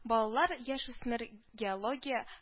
Балалар-яшүсмер геология